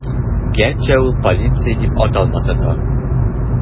Гәрчә ул полиция дип аталмаса да.